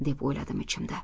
deb o'yladim ichimda